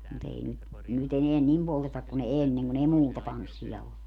mutta ei nyt nyt enää niin polteta kuin ennen kun ei muuta tanssia ollut